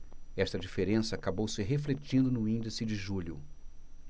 esta diferença acabou se refletindo no índice de julho